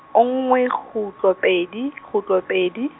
o nngwe kgutlo pedi, kgutlo pedi.